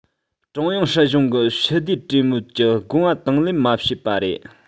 ཀྲུང དབྱང སྲིད གཞུང གི ཞི བདེའི གྲོས མོལ གྱི དགོངས པ དང ལེན མ བྱས པ རེད